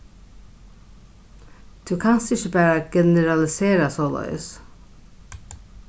tú kanst ikki bara generalisera soleiðis